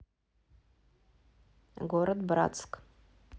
город братск